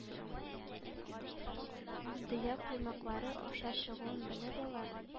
Дөя “коймаклары” аша чыгуын белеп ала.